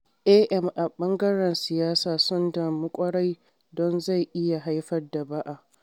AM a ɓangaren siyasa sun damu ƙwarai don zai iya haifar da ba’a.